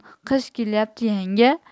qish kelyapti yanga